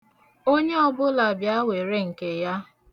Onye ọbụla bịa were nke ya.